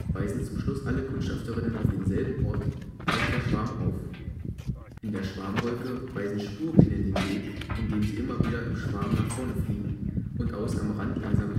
Weisen zum Schluss alle Kundschafterinnen auf denselben Ort, bricht der Schwarm auf. In der Schwarmwolke weisen Spurbienen den Weg, indem sie immer wieder im Schwarm nach vorne fliegen und außen am Rand langsam